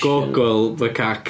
Gargoyle macaque.